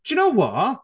Do you know what?